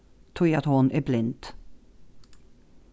tí at hon er blind